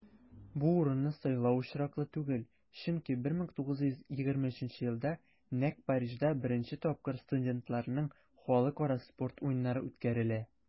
Бу урынны сайлау очраклы түгел, чөнки 1923 елда нәкъ Парижда беренче тапкыр студентларның Халыкара спорт уеннары үткәрелә.